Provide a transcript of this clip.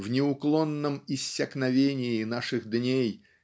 в неуклонном иссякновении наших дней